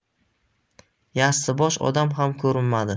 yassibosh odam ham ko'rinmadi